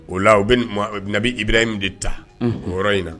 O la u nabi ibra in de ta o yɔrɔ in na